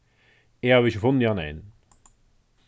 eg havi ikki funnið hann enn